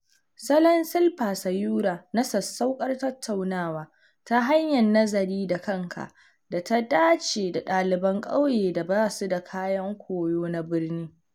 Salon Shilpa Sayura na sassauƙar tattaunawa ta hanyar nazari da kanka da ta dace da ɗaliban ƙauye da ba su da kayan koyo na birni.